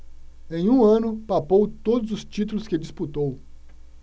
em um ano papou todos os títulos que disputou